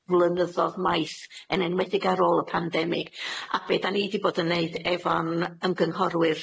flynyddodd maith, yn enwedig ar ôl y pandemig. A be' 'dan ni 'di bod yn neud efo'n ymgynghorwyr